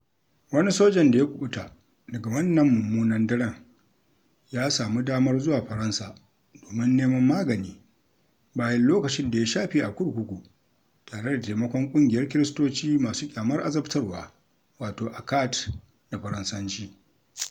Wani sojan da ya kuɓuta daga wannan mummunan daren ya samu damar zuwa Faransa domin neman magani bayan lokacin da ya shafe a kurkuku tare da taimakon ƙungiyar Kiristoci masu ƙyamar Azabtarwa (ACAT da Faransanci).